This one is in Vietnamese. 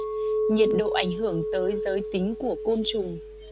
nhiệt độ ảnh hưởng tới giới tính của côn trùng